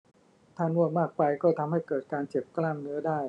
ถ้านวดมากไปก็ทำให้เกิดการเจ็บกล้ามเนื้อได้